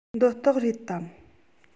འདི སྟག རེད དམ